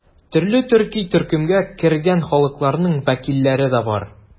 Төрле төрки төркемгә кергән халыкларның вәкилләре дә бар.